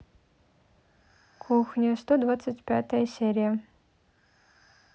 кухня сто двадцать первая серия